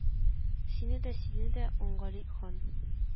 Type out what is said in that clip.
Сине дә сине дә ангали хан